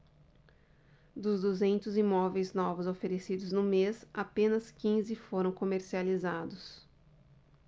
dos duzentos imóveis novos oferecidos no mês apenas quinze foram comercializados